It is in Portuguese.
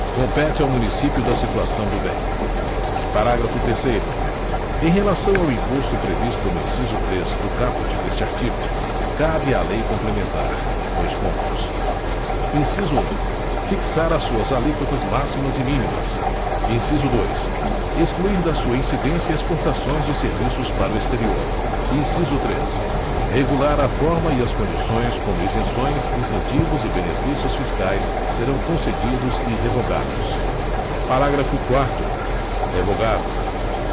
compete ao município da situação do bem parágrafo terceiro em relação ao imposto previsto no inciso três do caput deste artigo cabe à lei complementar dois pontos inciso um fixar as suas alíquotas máximas e mínimas inciso dois excluir da sua incidência exportações de serviços para o exterior inciso três regular a forma e as condições como isenções incentivos e benefícios fiscais serão concedidos e revogados parágrafo quarto revogado